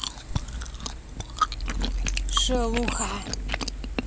шелуха